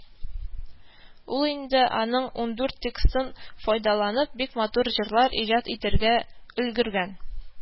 Ул инде аның ундүрт текстын файдаланып, бик матур җырлар иҗат итәргә өлгергән